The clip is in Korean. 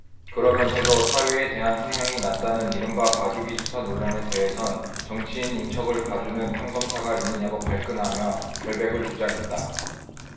그러면서도 사위에 대한 형량이 낮다는 이른바 봐주기 수사 논란에 대해선 정치인 인척을 봐주는 판검사가 있느냐고 발끈하며 결백을 주장했다